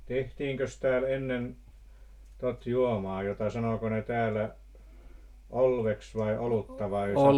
tehtiinkös täällä ennen tuota juomaa jota sanoiko ne täällä olueksi vai olutta vai -